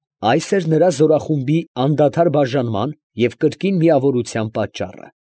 Այս էր նրա զորախումբի անդադար բաժանման և կրկին միավորության պատճառը։